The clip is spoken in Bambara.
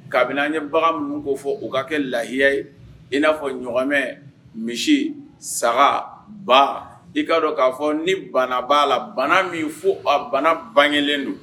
Kabini an ye bagan min ko fɔ u ka kɛ lahiya ye i n'a fɔ ɲmɛ misi saga ba i kaa dɔn k'a fɔ ni bana bbaa la bana min fo a bana banylen don